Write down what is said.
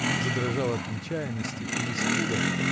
Он задрожал от нечаянности и испуга.